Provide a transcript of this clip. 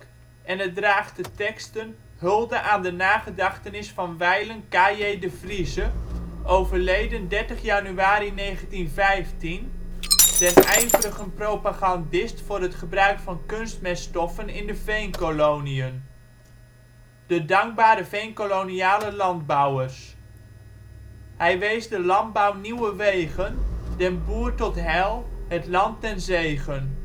en het draagt de teksten " Hulde aan de nagedachtenis van wijlen K.J. de Vrieze, overleden 30 januari 1915, den ijverigen propagandist voor het gebruik van kunstmeststoffen in de Veenkoloniën. De dankbare Veenkoloniale landbouwers. "" Hij wees den landbouw nieuwe wegen, den boer tot heil, het land ten zegen